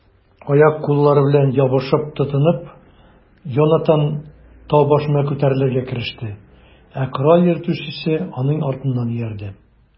Аяк-куллары белән ябышып-тотынып, Йонатан тау башына күтәрелергә кереште, ә корал йөртүчесе аның артыннан иярде.